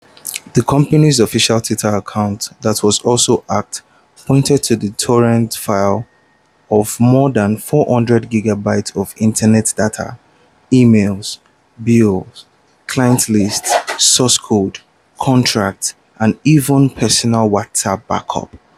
The company's official Twitter account, that was also hacked, pointed to the torrent file of more than 400 gigabytes of internal data: Emails, bills, client lists, source code, contracts and even personal WhatsApp backups.